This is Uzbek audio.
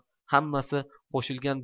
hammasi qo'shilgan